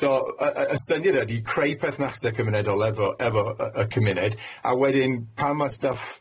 So y y y syniad ydi creu perthnase cymunedol efo efo y y cymuned a wedyn pan ma' stwff,